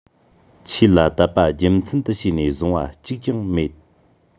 ཆོས ལ དད པ རྒྱུ མཚན དུ བྱས ནས བཟུང བ གཅིག ཀྱང མེད